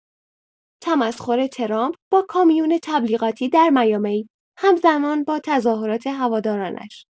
تمسخر ترامپ با کامیون تبلیغاتی در میامی همزمان با تظاهرات هوادارانش